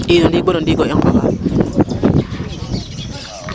II ndiig bo no ndiig i nqooxaa,